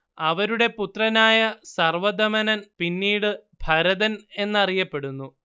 അവരുടെ പുത്രനായ സർവദമനൻ പിന്നീടു ഭരതൻ എന്നറിയപ്പെടുന്നു